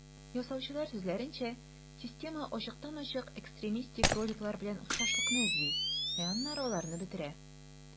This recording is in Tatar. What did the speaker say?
Ясаучылар сүзләренчә, система ачыктан-ачык экстремистик роликлар белән охшашлыкны эзли, ә аннары аларны бетерә.